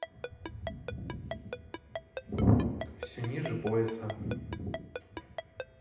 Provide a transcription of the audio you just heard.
все ниже пояса